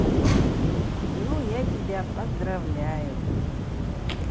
ну я тебя поздравляю